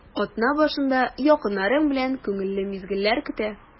Атна башында якыннарың белән күңелле мизгелләр көтә.